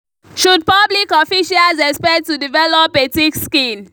Should public officials expect to develop a thick skin?